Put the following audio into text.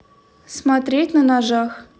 смотреть на ножах